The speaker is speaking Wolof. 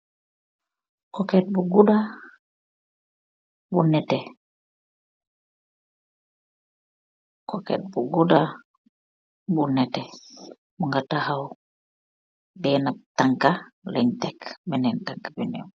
Kokett bu gudaa bu nehteh.